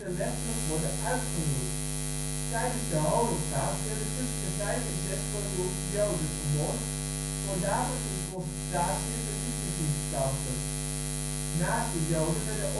letterlijk worden uitgeroeid. Tijdens de Holocaust werden tussen de vijf en zes miljoen Joden vermoord, voornamelijk in concentratie - en vernietigingskampen. Naast de Joden werden